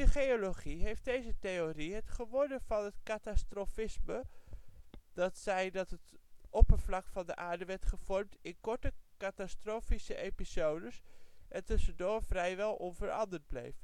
geologie heeft deze theorie het gewonnen van het Catastrofisme, dat zei dat het oppervlak van de aarde werd gevormd in korte, catastrofische episodes, en tussendoor vrijwel onveranderd bleef